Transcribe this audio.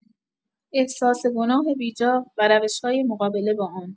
احساس گناه بی‌جا و روش‌های مقابله با آن